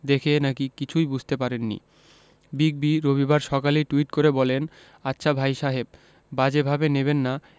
কিছুই বুঝতে পারেননি বিগ বি রবিবার সকালেই টুইট করে বলেন আচ্ছা ভাই সাহেব বাজে ভাবে নেবেন না